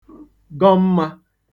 gọ mma